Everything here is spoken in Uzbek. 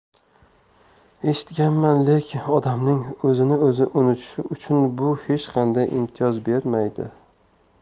eshitganman lekin odamning o'zini o'zi unutishi uchun bu hech qanday imtiyoz bermaydi